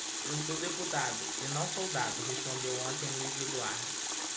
eu sou deputado e não soldado respondeu ontem luís eduardo